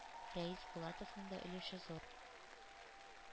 Рәис Булатовның да өлеше зур.